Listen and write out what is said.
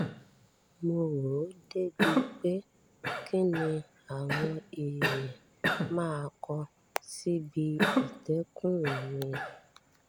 Mo ròó débi pé kí ni àwọn èèyàn máa kọ síbi ìtẹ́kùú mi?